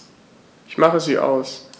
Ich mache sie aus.